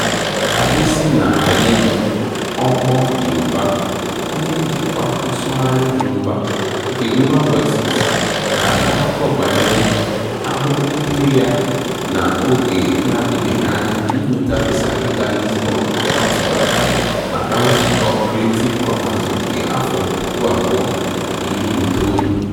Adéṣínà Ayeni (Ọmọ Yoòbá), onye njikwa nsụgharị Yoruba nke Global Voices, na-akọ akụkọ banyere ahụmịịhe ya n'oge na-adịbeghị anya n'ịnweta visa ịga Lisbon, Portugal, maka Nzukọ Creative Commons nke 2019: